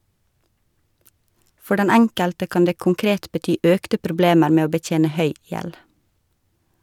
For den enkelte kan det konkret bety økte problemer med å betjene høy gjeld.